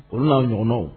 Olu na ɲɔgɔnnaw